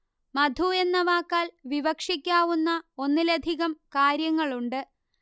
മധു എന്ന വാക്കാൽ വിവക്ഷിക്കാവുന്ന ഒന്നിലധികം കാര്യങ്ങളുണ്ട്